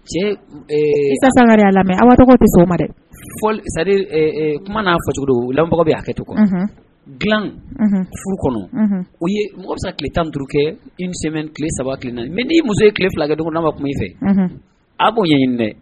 Cɛsaga y a lam aw tɔgɔ bɛ o ma dɛ kuma'a fɔ cogolanbagaw bɛ'a kɛ tugun dila furu kɔnɔ u ye morisa tilele tan duuruuru kɛ i sɛmɛ tile saba kina mɛ n'i muso tile filakɛ dɔgɔnin ma tun in fɛ a b'o ɲɛ ɲi dɛ